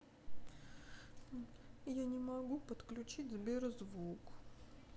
я не могу подключить сберзвук